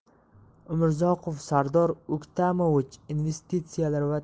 umurzoqov sardor o'ktamovich investitsiyalar